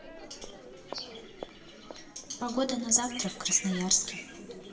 погода на завтра в красноярске